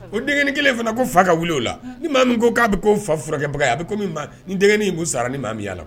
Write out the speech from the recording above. O denkɛk kelen fana ko fa ka weele la ni maa min ko k'a bɛ ko fa furakɛbaga a bɛ nikin in' sara ni maa min yala la